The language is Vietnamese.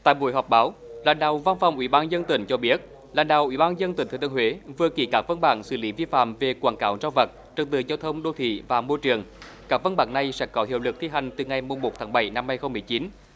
tại buổi họp báo lãnh đạo văn phòng ủy ban dân tỉnh cho biết lãnh đạo ủy ban dân tỉnh thừa thiên huế vừa ký các văn bản xử lý vi phạm về quảng cáo cho vật trật tự giao thông đô thị và môi trường các văn bản này sẽ có hiệu lực thi hành từ ngày mùng một tháng bảy năm hai không mười chín